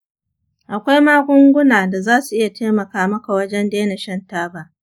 akwai magunguna da zasu iya taimaka maka wajen daina shan taba.